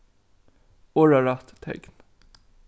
orðarætt tekn